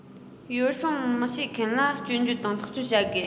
ཡོ བསྲང མི བྱེད མཁན ལ སྐྱོན བརྗོད དང ཐག གཅོད བྱ དགོས